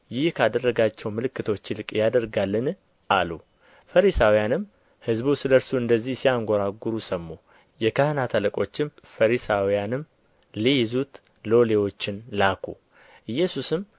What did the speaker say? ይህ ካደረጋቸው ምልክቶች ይልቅ ያደርጋልን አሉ ፈሪሳውያንም ሕዝቡ ሰለ እርሱ እንደዚህ ሲያንጐራጕሩ ሰሙ የካህናት አለቆችም ፈሪሳውያም ሊይዙት ሎሌዎችን ላኩ ኢየሱስም